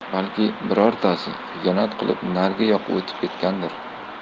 balki birortasi xiyonat qilib narigi yoqqa o'tib ketgandir